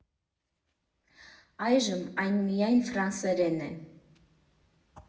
Առայժմ այն միայն ֆրանսերեն է։